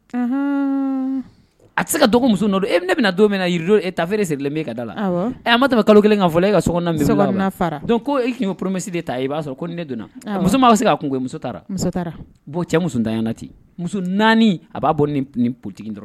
A tɛ se ka dɔgɔ muso don e ne bɛna don min na e tafeere siri' ka da la ma tɛmɛ kalo kelen kan fɔ e ka so ko e' poromesi de ta i b'a sɔrɔ ko ne donna muso' bɛ se k' kun muso taara cɛ musotany ten muso naani a b'a bɔ ni ni ptigi dɔrɔn